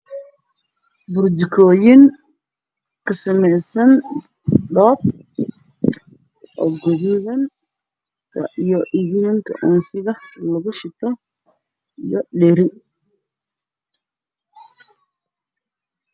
Meeshaan burjkooyin ayaa ka muuqdo